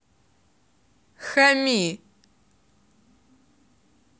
хами